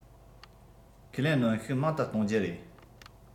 ཁས ལེན གནོན ཤུགས མང དུ གཏོང རྒྱུ རེད